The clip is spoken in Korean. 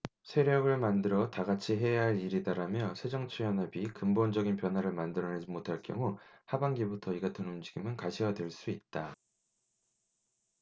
세력을 만들어 다같이 해야할 일이다라며 새정치연합이 근본적이 변화를 만들어내지 못할 경우 하반기부터 이같은 움직임은 가시화될 수 있다